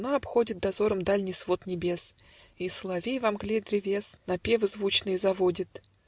луна обходит Дозором дальный свод небес, И соловей во мгле древес Напевы звучные заводит.